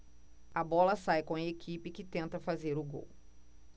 a bola sai com a equipe que tenta fazer o gol